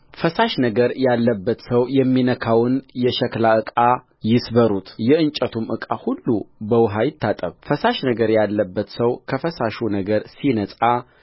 ፈሳሽ ነገር ያለበት ሰው የሚነካውን የሸክላ ዕቃ ይስበሩት የእንጨቱም ዕቃ ሁሉ በውኃ ይታጠብፈሳሽ ነገር ያለበት ሰው ከፈሳሹ ነገር ሲነጻ